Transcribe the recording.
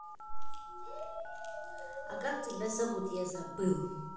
а как тебя зовут я забыл